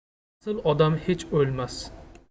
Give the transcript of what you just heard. asl odam hech o'lmas